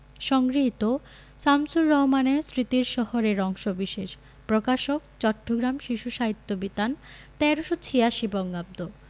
সংগৃহীত শামসুর রহমানের স্মৃতির শহর এর অংশবিশেষ প্রকাশক চট্টগ্রাম শিশু সাহিত্য বিতান ১৩৮৬ বঙ্গাব্দ